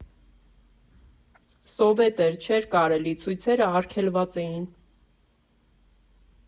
Սովետ էր, չէր կարելի, ցույցերը արգելված էին.